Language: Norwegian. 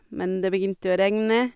Men det begynte å regne.